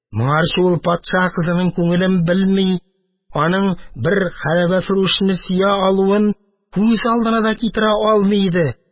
Моңарчы ул патша кызының күңелен белми, аның бер хәлвәфрүшне сөя алуын күз алдына да китерә алмый иде.